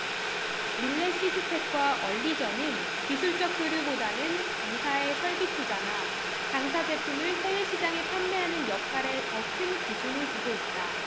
밀레시스텍과 얼리젼은 기술적 교류 보다는 당사에 설비 투자나 당사 제품을 해외시장에 판매하는 역할에 더 큰 비중을 두고 있다